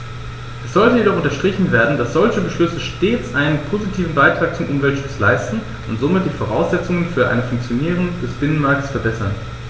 Es sollte jedoch unterstrichen werden, dass solche Beschlüsse stets einen positiven Beitrag zum Umweltschutz leisten und somit die Voraussetzungen für ein Funktionieren des Binnenmarktes verbessern.